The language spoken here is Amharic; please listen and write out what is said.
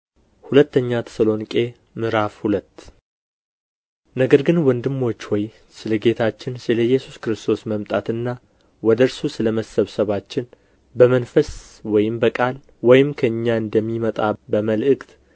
ሁለኛ ተሰሎንቄ ምዕራፍ ሁለት ነገር ግን ወንድሞች ሆይ ስለ ጌታችን ስለ ኢየሱስ ክርስቶስ መምጣትና ወደ እርሱ ስለ መሰብሰባችን በመንፈስ ወይም በቃል ወይም ከእኛ እንደሚመጣ በመልእክት